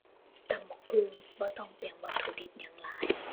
ตำบักหุ่ง บ่ต้องเตรียมวัตถุดิบหยังหลาย